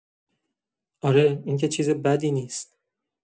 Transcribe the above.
آره، این که چیز بدی نیست.